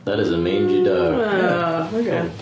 That is a mangey dog... Oo oce... cŵl.